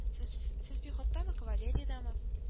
Сез псс сез пехоттамы, кавалериядәме